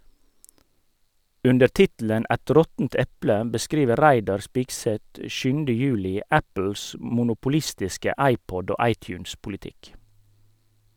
Under tittelen "Et råttent eple" beskriver Reidar Spigseth 7. juli Apples monopolistiske iPod- og iTunes-politikk.